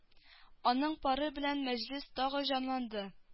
Аның пары белән мәҗлес тагы җанланды